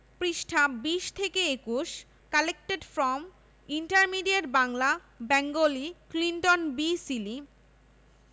পৃষ্ঠাঃ ২০ ২১ collected from intermediate Bangla Bengali Clinton B Seely